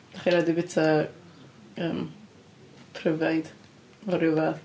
Dach chi erioed 'di bwyta yym pryfaid o ryw fath?